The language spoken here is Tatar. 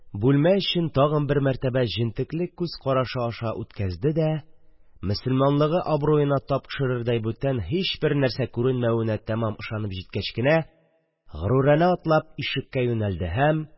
Бүлмә эчен тагын бер мәртәбә җентекле күз карашы аша үткәзде дә, мосылманлыгы абруена тап төшерердәй бүтән һичбер нәрсә күренмәвенә тамам ышанып җиткәч кенә, горур атлап ишеккә юнәлде һәм: